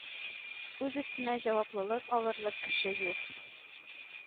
Үз өстенә җаваплылык алырлык кеше юк!